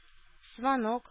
Звонок